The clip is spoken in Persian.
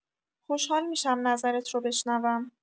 خوشحال می‌شم نظرت رو بشنوم!